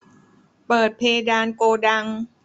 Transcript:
เปิดเพดานโกดัง